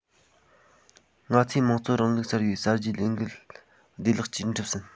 ང ཚོས དམངས གཙོ རིང ལུགས གསར པའི གསར བརྗེའི ལས འགན བདེ ལེགས ཀྱིས འགྲུབ ཟིན